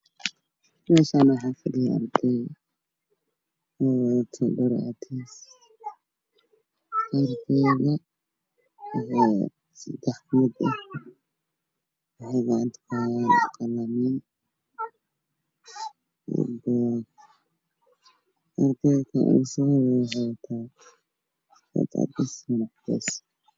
Meeshaan waxaa fadhiyo arday waxay wataan waa iskool sare saddex qaliin ayey gacanta ku qaran haystaan waxa ay qorayaan kuraas buluug ayey ku fadhiyaan darbiga waa jaallo